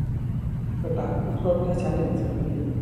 สตาร์ทรถให้ฉันในอีกสิบนาที